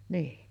niin